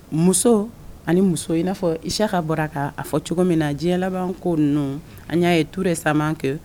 Muso ani muso in n'a fɔ Isiyaka bɔra ka a fɔ cogo min na diɲɛ laban ko ninnu, an y'a ye tout récemment